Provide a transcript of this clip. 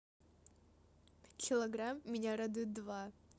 килограмм меня радует два